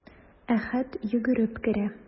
Әхәт йөгереп керә.